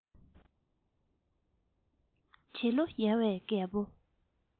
བྱིས བློ མ ཡལ བའི རྒད པོ